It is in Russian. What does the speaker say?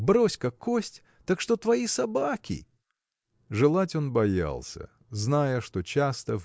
брось-ка кость , так что твои собаки! Желать он боялся зная что часто